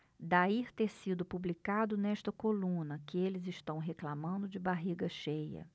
daí ter sido publicado nesta coluna que eles reclamando de barriga cheia